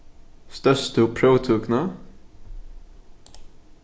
stóðst tú próvtøkuna